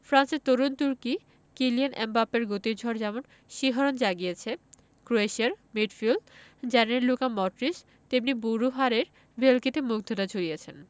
ফ্রান্সের তরুণ তুর্কি কিলিয়ান এমবাপ্পের গতির ঝড় যেমন শিহরণ জাগিয়েছে ক্রোয়েশিয়ার মিডফিল্ড জেনারেল লুকা মডরিচ তেমনি বুড়ো হাড়ের ভেলকিতে মুগ্ধতা ছড়িয়েছেন